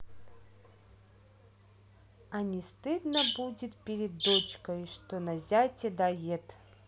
они стыдно будет перед дочкой что на зяте дает